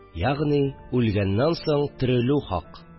Ягъни, үлгәннән соң терелү хак